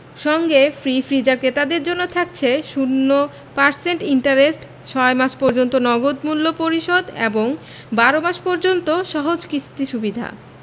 সঙ্গে fridge freezer ক্রেতাদের জন্য থাকছে ০% ইন্টারেস্টে ৬ মাস পর্যন্ত নগদ মূল্য পরিশোধ এবং ১২ মাস পর্যন্ত সহজ কিস্তি সুবিধা